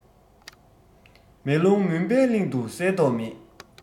མེ ལོང མུན པའི གླིང དུ གསལ མདོག མེད